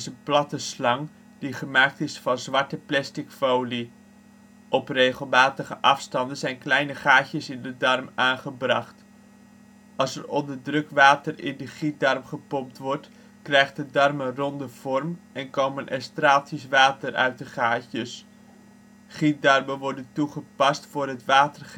platte slang, die gemaakt is van zwarte plastic folie. Op regelmatige afstanden zijn kleine gaatjes in de darm aangebracht. Als er onder druk water in de gietdarm gepompt wordt, krijgt de darm een ronde vorm en komen er straaltjes water uit de gaatjes. Gietdarmen worden toegepast voor het water